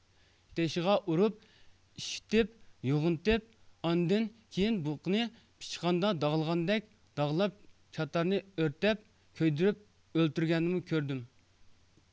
ئىككى تېشىغا ئۇرۇپ ئىششىتىپ يوغىنىتىپ ئاندىن كېيىن بۇقىنى پىچقاندا داغلىغاندەك داغلاپ چاتارىنى ئۆرتەپ كۆيدۈرۈپ ئۆلتۈرگەننىمۇ كۆردۈم